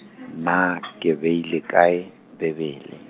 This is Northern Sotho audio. naa ke beile kae, Bibele?